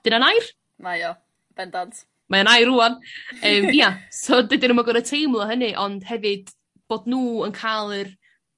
'Di wnna'n air? Mae o bendant. Mae o'n air rŵan. Yym ia so dydyn nw'm yn gor'o' teimlo hynny ond hefyd bod nhw yn ca'l yr